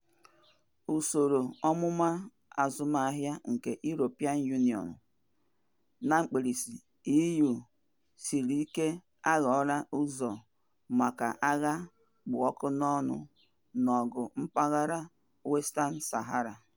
Usoro amụma azụmahịa nke European Union (EU) siri ike aghọọla ụzọ maka agha kpụ ọkụ n'ọnụ n'ọgụ mpaghara Western Sahara.